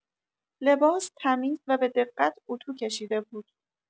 لباس، تمیز و به‌دقت اتوکشیده بود.